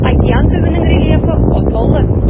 Океан төбенең рельефы катлаулы.